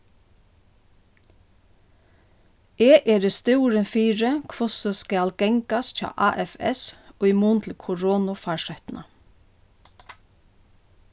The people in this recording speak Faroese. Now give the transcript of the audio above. eg eri stúrin fyri hvussu skal gangast hjá afs í mun til koronu farsóttina